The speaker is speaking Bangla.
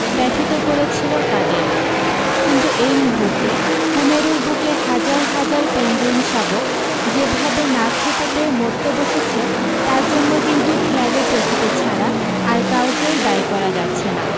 ব্যথিত করেছিল তাদের কিন্তু এই মূহুর্তে কূমেরুর বুকে হাজার হাজার পেঙ্গুইনশাবক যে ভাবে না খেতে পেয়ে মরতে বসেছে তার জন্য কিন্তু খেয়ালি প্রকিতি ছাড়া আর কাউকেই দায়ী করা যাচ্ছে না